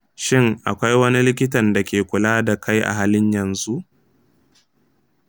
shin akwai wani likitan da ke kula da kai a halin yanzu?